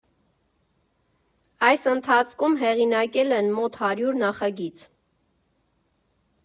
Այս ընթացքում հեղինակել են մոտ հարյուր նախագիծ։